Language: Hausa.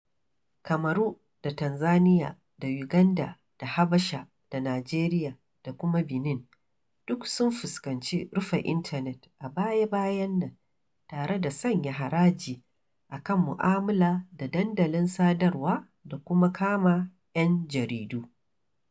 Kamaru da Tanzaniya da Uganda da Habasha da Najeriya da kuma Benin duk sun fuskanci rufe intanet a baya-bayan nan, tare da sanya haraji a kan mu'amala da dandalin sadarwa da kuma kama 'yan jaridu.